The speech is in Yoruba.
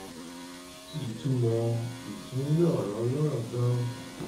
Ìtúmọ̀ Ìtúnwí-ọ̀rọ̀ Ọlọ́rọ̀ gan-an